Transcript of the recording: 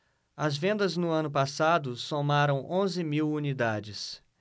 as vendas no ano passado somaram onze mil unidades